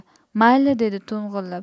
mayli dedi to'ng'illab